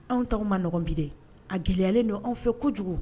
Anw tɔgɔ man nɔgɔn bi dɛ a gɛlɛyalen don anw fɛ kojugu.